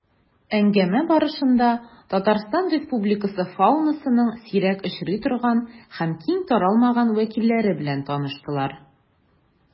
Әңгәмә барышында Татарстан Республикасы фаунасының сирәк очрый торган һәм киң таралмаган вәкилләре белән таныштылар.